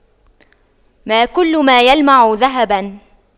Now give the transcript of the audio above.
ما كل ما يلمع ذهباً